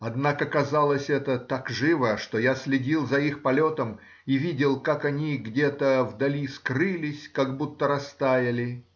однако казалось это так живо, что я следил за их полетом и видел, как они где-то вдали скрылись, как будто растаяли.